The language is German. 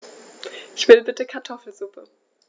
Ich will bitte Kartoffelsuppe.